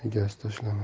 ham egasi tashlamas